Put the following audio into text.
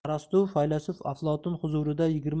arastu faylasuf aflotun huzurida